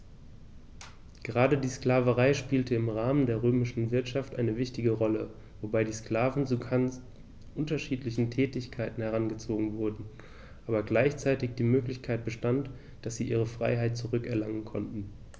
Gerade die Sklaverei spielte im Rahmen der römischen Wirtschaft eine wichtige Rolle, wobei die Sklaven zu ganz unterschiedlichen Tätigkeiten herangezogen wurden, aber gleichzeitig die Möglichkeit bestand, dass sie ihre Freiheit zurück erlangen konnten.